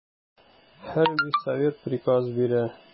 Хәрби совет приказ бирә.